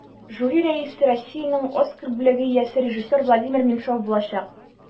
Жюри рәисе Россиянең Оскар бүләге иясе режиссер Владимир Меньшов булачак.